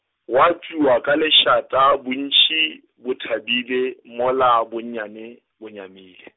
gwa tšwewa ka lešata bontši, bo thabile, mola bonyane, bo nyamile.